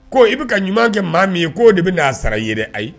Ko i bɛka ɲuman kɛ maa min ye ko'o de bɛna a sara i ye dɛ, ayi.